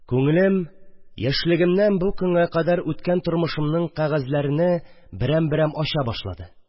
Күңелем яшьлегемнән бу көнгә кадәр үткән тормышымның кәгазьләрене берәмберәм ача башлады